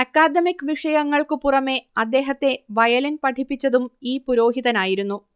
academic വിഷയങ്ങൾക്കു പുറമേ അദ്ദേഹത്തെ വയലിൻ പഠിപ്പിച്ചതും ഈ പുരോഹിതനായിരുന്നു